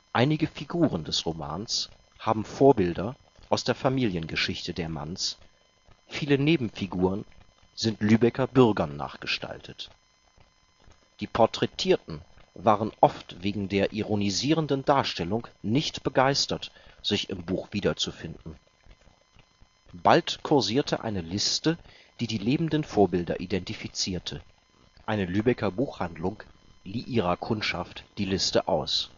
Einige Figuren des Romans haben Vorbilder aus der Familiengeschichte der Manns, viele Nebenfiguren sind Lübecker Bürgern nachgestaltet. Die Porträtierten waren oft wegen der ironisierenden Darstellung nicht begeistert, sich im Buch wiederzufinden. Bald kursierte eine Liste, die die lebenden Vorbilder identifizierte; eine Lübecker Buchhandlung lieh ihrer Kundschaft die Liste aus